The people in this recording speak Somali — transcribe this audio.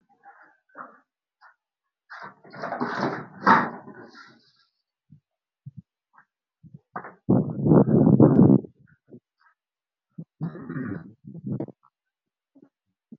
Meeshaan waxaa ka muuqdo biraha lagu talagalay in lagu jimicsado